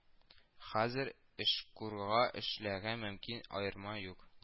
Хәзер эшкуарга эшләргә мөмкин, аерма юк